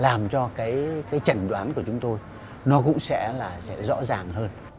làm cho cái cái chẩn đoán của chúng tôi nó cũng sẽ là sẽ rõ ràng hơn